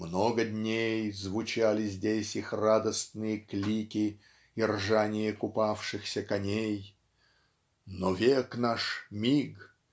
Много дней Звучали здесь их радостные клики И ржание купавшихся коней. Но век наш - миг.